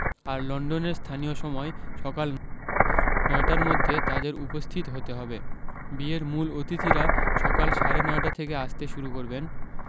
আর লন্ডনের স্থানীয় সময় সকাল নয়টার মধ্যে তাঁদের উপস্থিত হতে হবে বিয়ের মূল অতিথিরা সকাল সাড়ে নয়টা থেকে আসতে শুরু করবেন